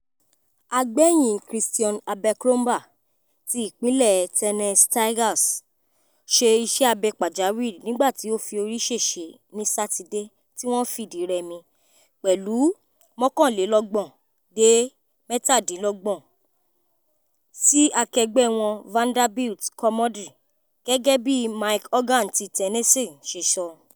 Tennessee State Tigers linebacker Christion Abercrombie ṣe iṣẹ́-abẹ pàjáwìrì nígbàtí ó fi orí-ṣèṣe ní Satide tí wọ́n fìdí rẹmi pẹ̀lú 31-27 sí akẹgbẹ́ wọn Vanderbilt Commodores. Gẹ́gẹ́ bí Mike Organ ti Tennessean ṣe sọ.